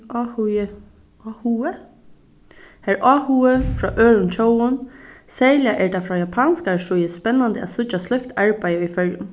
áhugi áhugi har er áhugi frá øðrum tjóðum serliga er tað frá japanskari síðu spennandi at síggja slíkt arbeiði í føroyum